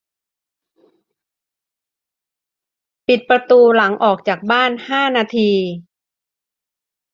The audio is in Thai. ปิดประตูหลังออกจากบ้านห้านาที